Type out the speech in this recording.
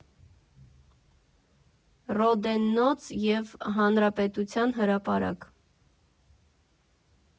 Ռոդեննոց և Հանրապետության հրապարակ։